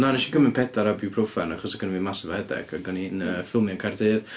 Na, wnes i cymryd pedwar ibuprofen achos oedd gynno fi massive headache ac o'n i'n yy ffilmio yn Caerdydd.